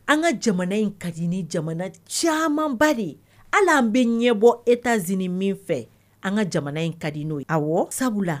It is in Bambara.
An ka jamana in ka di ni jamana camanba de, hali an bɛ ɲɛbɔ États Unis min fɛ, an ka jamana in ka di n'o ye, awɔ, sabula la